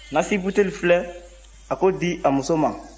nasibuteli filɛ a k'o di a muso ma